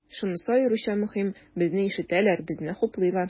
Шунысы аеруча мөһим, безне ишетәләр, безне хуплыйлар.